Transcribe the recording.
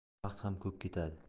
vaqt ham ko'p ketadi